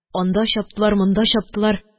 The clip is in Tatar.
Анда чаптылар, монда чаптылар